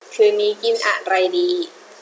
คืนนี้กินอะไรดี